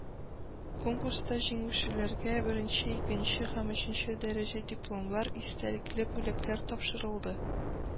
Конкурста җиңүчеләргә беренче, икенче һәм өченче дәрәҗә дипломнар, истәлекле бүләкләр тапшырылды